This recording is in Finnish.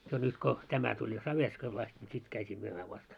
jo nyt kun tämä tuli jo Saverskoilla asti niin sitten käytiin myymään vasta